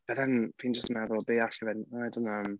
But then fi'n just yn meddwl beth alle fe... I don't know.